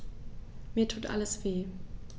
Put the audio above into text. Mir tut alles weh.